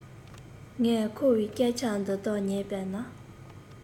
ངས ཁོའི སྐད ཆ འདི དག ཉན པས ན